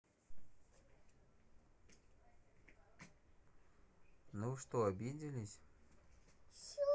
ну вы что обиделись